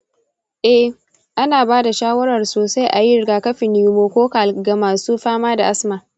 eh, ana ba da shawarar sosai a yi rigakafin pneumococcal ga masu fama da asma.